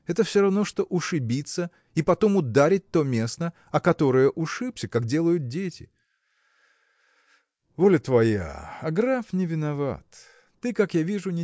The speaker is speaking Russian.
– это все равно что ушибиться и потом ударить то место о которое ушибся как делают дети. Воля твоя, а граф не виноват! Ты как я вижу